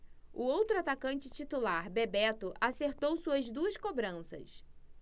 o outro atacante titular bebeto acertou suas duas cobranças